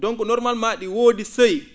donc normalement ?i woodi seuil